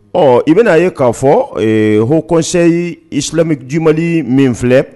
Ɔɔ i ben'a ye k'a fɔ ee Haut Conseil Islamique du Mali min filɛ